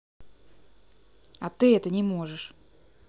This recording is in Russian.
а ты это не можешь